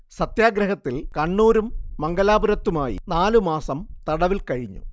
സത്യാഗ്രഹത്തിൽ കണ്ണൂരും മംഗലാപുരത്തുമായി നാലു മാസം തടവിൽ കഴിഞ്ഞു